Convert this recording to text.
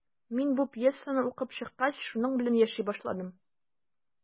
Мин бу пьесаны укып чыккач, шуның белән яши башладым.